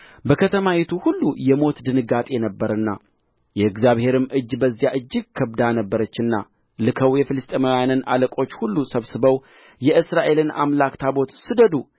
በከተማይቱ ሁሉ የሞት ድንጋጤ ነበርና የእግዚአብሔርም እጅ በዚያ እጅግ ከብዳ ነበረችና ልከው የፍልስጥኤማውያንን አለቆች ሁሉ ሰብስበው የእስራኤልን አምላክ ታቦት ስደዱ